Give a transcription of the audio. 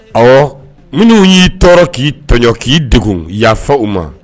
Ɔwɔ, minnu y'i tɔɔrɔ, k'i tɔɲɔn, k'i degun, yafa'u ma.